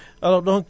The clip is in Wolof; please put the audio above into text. alors donc